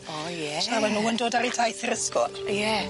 O ie. Tra ma' nw yn dod ar eu taith i'r ysgol. Ie.